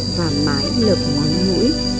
và mái lợp ngói mũi